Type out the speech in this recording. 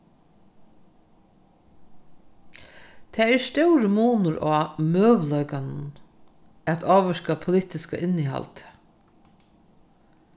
tað er stórur munur á møguleikanum at ávirka politiska innihaldið